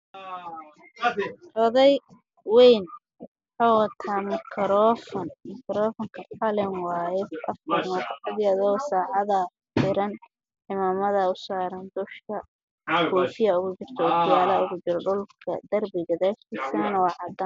Oday Wayne wuxuu wataa micrófono